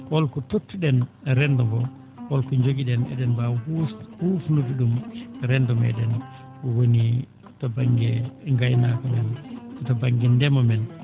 holko tottuɗen renndo ngoo holko njogiɗen eɗen mbaawa huufde huufnude ɗum renndo meeɗen woni to baŋnge ngaynaaka men to baŋnge ndema men